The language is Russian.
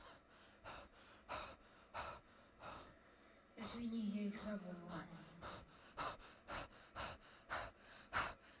извини я их забыла